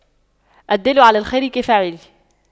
الدال على الخير كفاعله